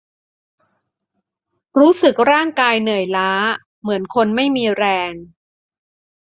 รู้สึกร่างกายเหนื่อยล้าเหมือนคนไม่มีแรง